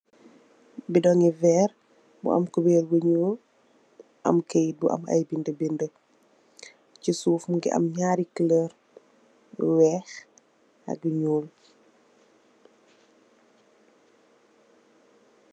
Bedonge weer mu am kuberr bu nuul am keyete bu am aye bede bede che suuf muge am nyari koloor bu weex ak yu nuul.